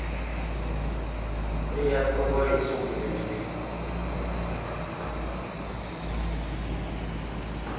приятно поговорить с умными людьми